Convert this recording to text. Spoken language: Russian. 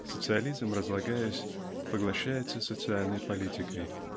Социализм, разлагаясь, поглощается социальной политикой.